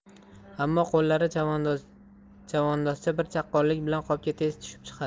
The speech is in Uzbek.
ammo qo'llari chavandozcha bir chaqqonlik bilan qopga tez tushibchiqadi